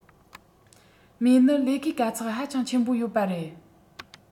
མོའི ནི ལས ཀའི དཀའ ཚེགས ཧ ཅང ཆེན པོ ཡོད པ རེད